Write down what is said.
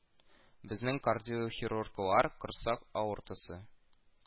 Безнең кардиохирурглар корсак аортасы